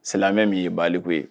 Silamɛmɛ min ye baliko ye